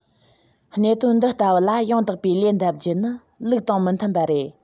གནད དོན འདི ལྟ བུ ལ ཡང དག པའི ལན འདེབས རྒྱུ ནི ལུགས དང མི མཐུན པ རེད